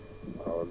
noonu la wala